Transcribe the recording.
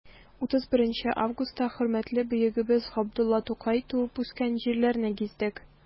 31 августта хөрмәтле бөегебез габдулла тукай туып үскән җирләрне гиздек.